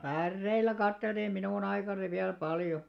päreillä katseltiin minun aikanani vielä paljon